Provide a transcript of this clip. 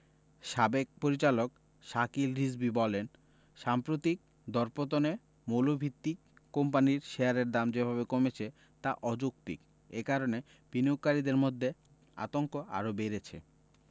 সাবেক পরিচালক শাকিল রিজভী বলেন সাম্প্রতিক দরপতনে মৌলভিত্তির কোম্পানির শেয়ারের দাম যেভাবে কমেছে তা অযৌক্তিক এ কারণে বিনিয়োগকারীদের মধ্যে আতঙ্ক আরও বেড়েছে